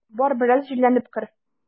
Бар, бераз җилләнеп кер.